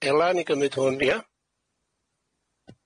Ela ni gymyd hwn ia?